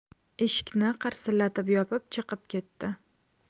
eshikni qarsillatib yopib chiqib ketdi